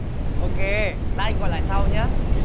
ô kê lát anh gọi lại sau nhá